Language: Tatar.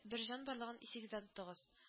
Бер җан барлыгын исегездә тотыгыз